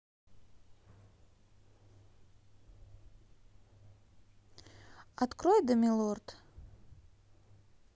открой да милорд